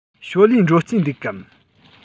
ཞའོ ལིའི འགྲོ རྩིས འདུག གམ